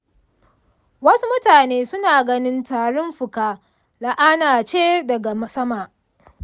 wasu mutane suna ganin tarin fuka la’ana ce daga sama.